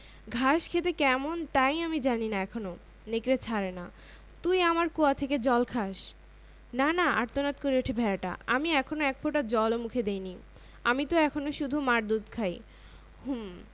সংগৃহীত দৈনিক ইত্তেফাক ৩১ জুলাই ২০১৭ইংরেজি ১৭ টা ৬ মিনিট